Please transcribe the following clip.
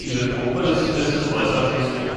Die Symptome des Bisses äußern sich so